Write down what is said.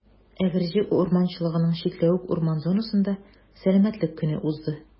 Әгерҗе урманчылыгының «Чикләвек» урман зонасында Сәламәтлек көне узды.